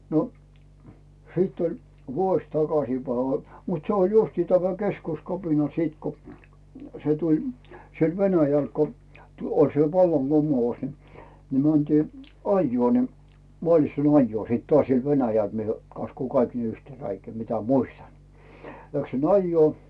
no sitten oli vuosi takaisinpäin mutta se oli justiin tämä keskuskapina sitten kun se tuli siellä Venäjällä kun - oli se vallankumous niin niin mentiin ajoon niin maaslitsan ajoon sitten taas siellä Venäjällä minä kaskuan kaikki yhteen räikään mitä muistan läksin ajoon